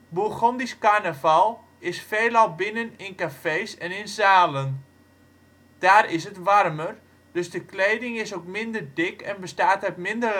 Bourgondisch carnaval is veelal binnen in cafés en in zalen. Daar is het warmer, dus de kleding is ook minder dik en bestaat uit minder